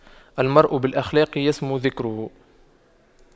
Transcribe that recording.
المرء بالأخلاق يسمو ذكره